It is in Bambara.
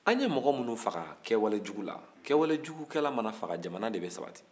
an ye mɔgɔ minnu faga kɛwale jugu la kɛwalejugukɛla mana faga jamana de bɛ sabati